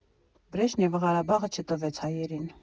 Բրեժնևը Ղարաբաղը չտվեց հայերին։